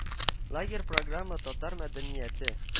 Лагерь програмы татар мәдәнияте